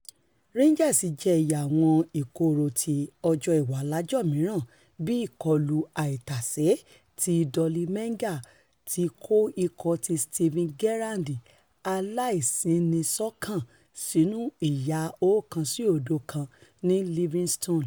Rangers jẹ ìyà àwọn ìkorò ti ọjọ-ìwàlájò mìíràn bí ìkọlù-àìtàṣé ti Dolly Menga ti kó ikọ̀ ti Steven Gerrard aláìsínísọ̀kan sínú ìyà 1-0 kan ní Livingston.